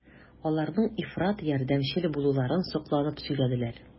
Аларның ифрат ярдәмчел булуларын сокланып сөйләделәр.